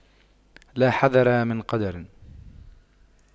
لا حذر من قدر